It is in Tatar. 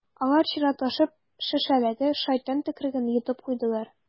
Алар чиратлашып шешәдәге «шайтан төкереге»н йотып куйдылар.